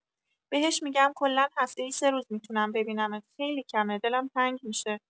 بهش می‌گم کلا هفته‌ای سه روز می‌تونم ببینمت خیلی کمه دلم تنگ می‌شه